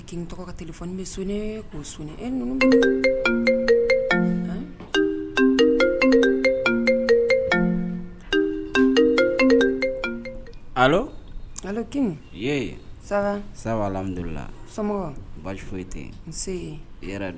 K alala baasi foyi tɛ n